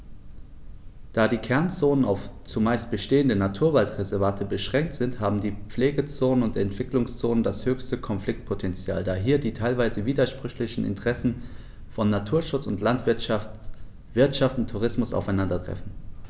Da die Kernzonen auf – zumeist bestehende – Naturwaldreservate beschränkt sind, haben die Pflegezonen und Entwicklungszonen das höchste Konfliktpotential, da hier die teilweise widersprüchlichen Interessen von Naturschutz und Landwirtschaft, Wirtschaft und Tourismus aufeinandertreffen.